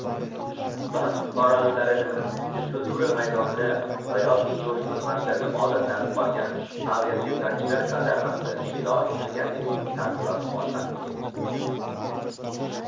bax xorallarini fizkultura maydonida va yoki jo'shqin marshlarga odatlanib qolgan avia desantchilar kazarmasida ijro etilgandek taassurot qolmasmikin